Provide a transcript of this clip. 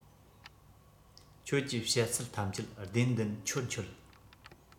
ཁྱོད ཀྱིས བཤད ཚད ཐམས ཅད བདེན བདེན འཆོལ འཆོལ